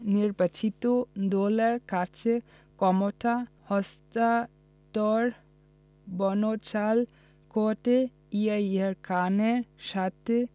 নির্বাচিত দলের কাছে ক্ষমতা হস্তান্তর বানচাল করতে ইয়াহিয়া খানের সাথে